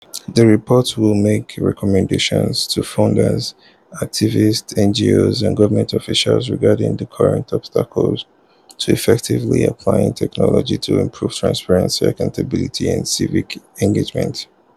The report will make recommendations to funders, activists, NGOs, and government officials regarding the current obstacles to effectively applying technology to improve transparency, accountability, and civic engagement.